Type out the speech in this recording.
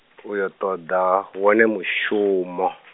u yo ṱoḓa wone mushumo.